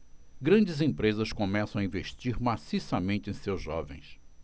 grandes empresas começam a investir maciçamente em seus jovens